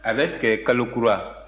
a bɛ tigɛ kalo kura